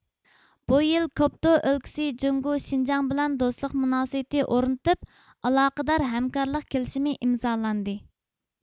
بۇ يىل كوبدو ئۆلكىسى جۇڭگو شىنجاڭ بىلەن دوستلۇق مۇناسىۋىتى ئورنىتىپ ئالاقىدار ھەمكارلىق كېلىشىمى ئىمزالاندى